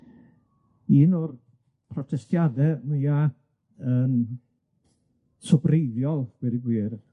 Un o'r protestiade mwya yym sobreiddiol, gweud y gwir